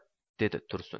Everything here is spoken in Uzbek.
dedi tursun